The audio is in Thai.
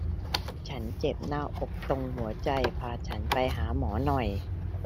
ฉันเจ็บหน้าอกตรงหัวใจพาฉันไปหาหมอหน่อย